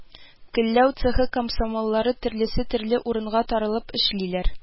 Көлләү цехы комсомоллары төрлесе төрле урынга таралып эшлиләр